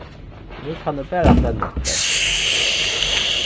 nú kann eg bara flenna eftir tær